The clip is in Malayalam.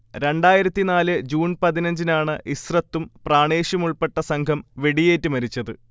രണ്ടായിരത്തി നാല് ജൂൺ പതിനഞ്ചിനാണ് ഇസ്രത്തും പ്രാണേഷുമുൾപ്പെട്ട സംഘം വെടിയേറ്റ് മരിച്ചത്